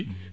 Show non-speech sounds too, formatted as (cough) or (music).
(hesitation) (hesitation)